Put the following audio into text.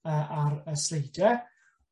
yy ar y sleidie,